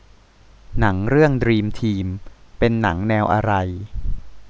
หนังเรื่องดรีมทีมเป็นหนังแนวอะไร